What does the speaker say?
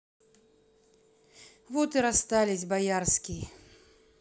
вот и расстались боярский